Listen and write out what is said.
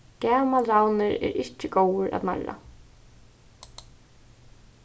gamal ravnur er ikki góður at narra